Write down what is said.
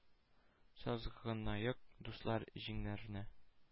Сызганыек, дуслар, җиңнәрне,